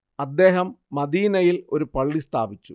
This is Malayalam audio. അദ്ദേഹം മദീനയിൽ ഒരു പള്ളി സ്ഥാപിച്ചു